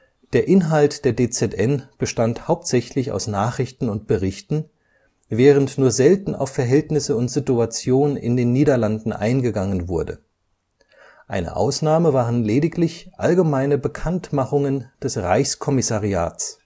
Der Inhalt der DZN bestand hauptsächlich aus Nachrichten und Berichten, während nur selten auf Verhältnisse und Situation in den Niederlanden eingegangen wurde; eine Ausnahme waren lediglich allgemeine Bekanntmachungen des Reichskommissariats